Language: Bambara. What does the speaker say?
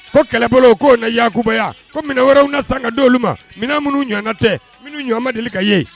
Ko kɛlɛbolo k'o na y yakubayaya ko minɛ wɛrɛw na san ka di olu ma minɛn minnuu ɲɔgɔnwanna tɛ minnu ɲɔgɔnma deli ka ye